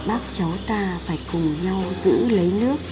bác cháu ta phải cùng nhau giữ lấy nước